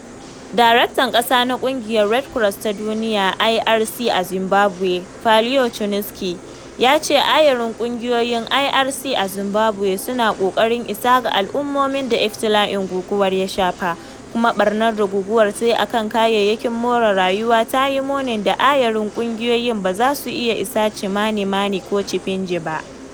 Daraktan ƙasa na ƙungiyar Red Cross ta Duniya (IRC) a Zimbabwe, Paolo Cernuschi, ya ce ayarin ƙungiyoyin IRC a Zimbabwe suna ƙoƙarin isa ga al’ummomin da ibtila'in guguwar ya shafa, kuma ɓarnar da guguwar tayi akan kayayyakin more rayuwa ta yi munin da ayarin ƙungiyoyin ba za su iya isa Chimanimani ko Chipinge ba.